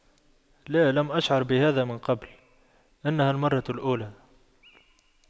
لا لم أشعر بهذا من قبل إنها المرة الأولى